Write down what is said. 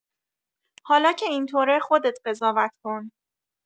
حالا که اینطوره خودت قضاوت کن.